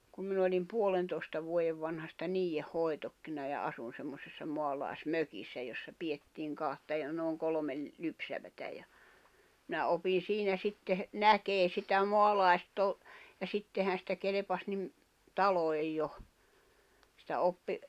kun minä oli puolentoista vuoden vanhasta niiden hoidokkina ja asuin semmoisessa maalaismökissä jossa pidettiin kahta ja noin kolme lypsävää ja minä opin siinä sitten näkemään sitä maalaistouhua ja sittenhän sitä kelpasi niin taloihin jo sitä oppi